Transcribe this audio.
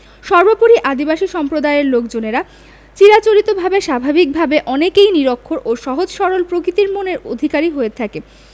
সর্বপরি আদিবাসী সম্প্রদায়ের লোকজনেরা চিরাচরিতভাবে স্বাভাবিকভাবে অনেকেই নিরক্ষর সহজ ও সরল প্রকৃতির মনের অধিকারী হয়ে থাকে